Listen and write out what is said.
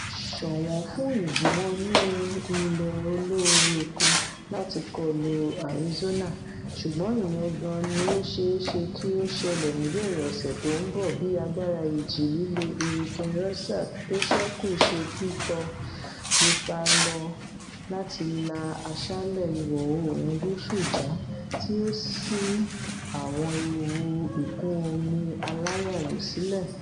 ṣọ̀wọ́n fún ìjìnwọnú ilẹ̀ olóoru kan láti kọlu Arizona, ṣùgbọn ìyẹn gan-an ní ó ṣeé ṣe kí ó ṣẹlẹ̀ níbẹ̀rẹ̀ ọ̀sẹ̀ tó ńbọ bí agbara Ìjì líle Hurricane Rosa tóṣẹ́kù ṣe ńtọ ipa lọ láti la Asálẹ Ìwọ̀-oòrùn Gúúsù já, tí ó sì àwọn ewu ìkún-omi aláyalù sílẹ̀.